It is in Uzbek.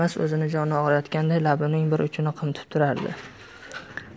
o 'zini joni og'riyotganday labining bir burchini qimtib turardi